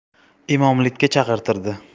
imomlikka chaqirtirdi